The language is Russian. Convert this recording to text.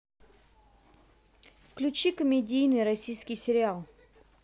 включить комедийный российский сериал